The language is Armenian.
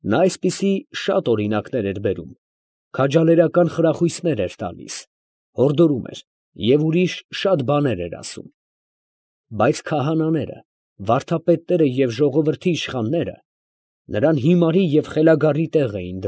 Նա այսպիսի շատ օրինակներ էր բերում, քաջալերական խրախույսներ էր տալիս, հորդորում էր և ուրիշ շատ բաներ էր ասում… Բայց քահանաները, վարդապետները և ժողովրդի իշխանները նրան հիմարի և խելագարի տեղ էին։